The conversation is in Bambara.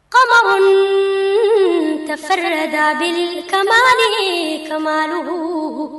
Kabasonin cɛfe da kain kadugu